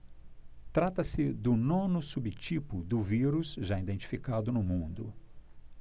trata-se do nono subtipo do vírus já identificado no mundo